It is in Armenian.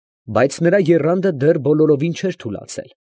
Բայց նրա եռանդը դեռ բոլորովին չէր թուլացել։